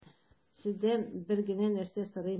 Сездән бер генә нәрсә сорыйм: